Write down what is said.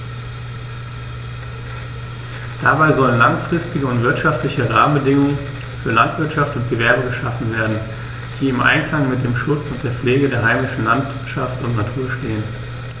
Dabei sollen langfristige und wirtschaftliche Rahmenbedingungen für Landwirtschaft und Gewerbe geschaffen werden, die im Einklang mit dem Schutz und der Pflege der heimischen Landschaft und Natur stehen.